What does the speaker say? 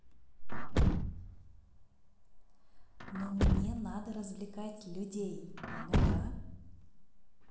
ну мне надо развлекать людей ну да